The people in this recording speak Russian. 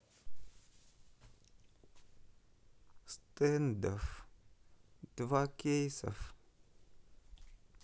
стэндофф два кейсов